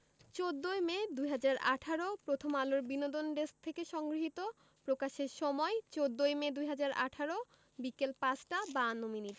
১৪ই মে ২০১৮ প্রথমআলোর বিনোদন ডেস্কথেকে সংগ্রহীত প্রকাশের সময় ১৪মে ২০১৮ বিকেল ৫টা ৫২ মিনিট